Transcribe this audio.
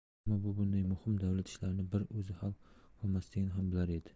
ammo u bunday muhim davlat ishlarini bir o'zi hal qilolmasligini ham bilar edi